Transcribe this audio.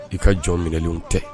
I ka jɔn minɛlenw tɛ.